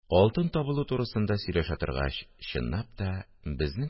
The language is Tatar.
Алтын табылу турысында сөйләшә торгач, чынлап та, безнең